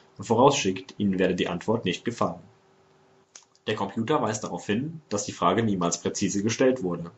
vorausschickt, ihnen werde die Antwort nicht gefallen. Der Computer weist darauf hin, dass die Frage niemals präzise gestellt wurde